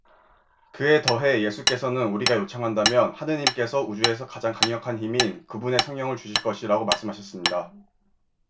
그에 더해 예수께서는 우리가 요청한다면 하느님께서 우주에서 가장 강력한 힘인 그분의 성령을 주실 것이라고 말씀하셨습니다